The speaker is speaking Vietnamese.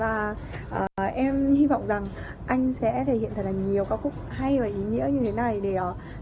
và à em hi vọng rằng anh sẽ thể hiện thật là nhiều ca khúc hay và ý nghĩa như thế này để à